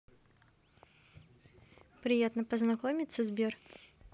приятно познакомиться сбер